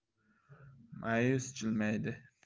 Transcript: mayus jilmaydi